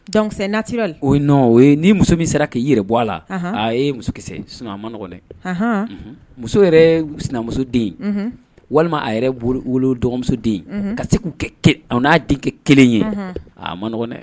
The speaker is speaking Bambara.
Donc c'est naturel o ye ni muso min sera ki yɛrɛ bɔ a la, a i ye muso kisɛ ye sinon a man nɔgɔ dɛ. Muso yɛrɛ sinamuso den walima a yɛrɛ wolo wolo dɔgɔmuso den ka se ku kɛ a na den kɛ kelen ye, a a ma nɔgɔn dɛ.